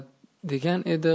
degan edi